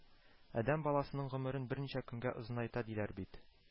Адәм баласының гомерен берничә көнгә озынайта, диләр бит»